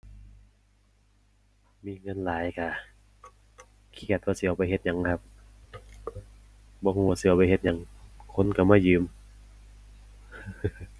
มีเงินหลายก็เครียดว่าสิเอาไปเฮ็ดหยังครับ บ่ก็ว่าสิเอาไปเฮ็ดหยังคนก็มายืม